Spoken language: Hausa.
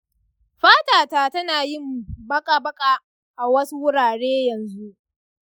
fatata tana yin baƙa-baƙa a wasu wurare yanzu.